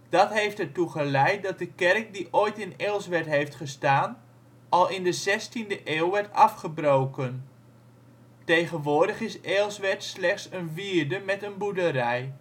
Dat heeft er toe geleid dat de kerk die ooit in Eelswerd heeft gestaan, al in de zestiende eeuw is afgebroken. Tegenwoordig is Eelswerd slechts een wierde met een boerderij